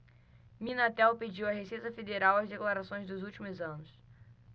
minatel pediu à receita federal as declarações dos últimos anos